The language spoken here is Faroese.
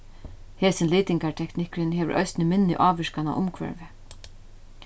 hesin litingarteknikkurin hevur eisini minni ávirkan á umhvørvið